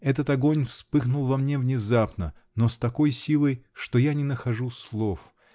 Этот огонь вспыхнул во мне внезапно, но с такой силой, что я не нахожу слов!!